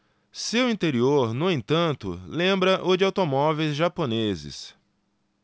seu interior no entanto lembra o de automóveis japoneses